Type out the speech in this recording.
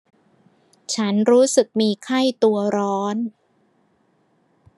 ฉันรู้สึกมีไข้ตัวร้อน